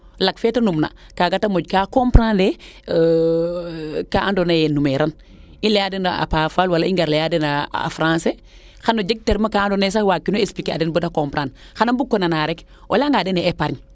lak fee te numna kaaga te moƴka comprendre e ka ando naye numiran i leya den a paaf wala i ngar leya den a francais xano jeg terme kaa ando naye sax waag kiro expliquer a den bada comprendre xana mbug ko nana rek o leya nga den epargne